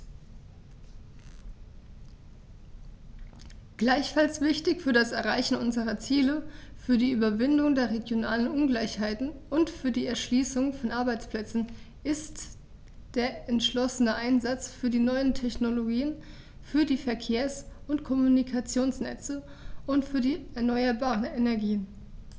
Gleichfalls wichtig für das Erreichen unserer Ziele, für die Überwindung der regionalen Ungleichheiten und für die Erschließung von Arbeitsplätzen ist der entschlossene Einsatz für die neuen Technologien, für die Verkehrs- und Kommunikationsnetze und für die erneuerbaren Energien.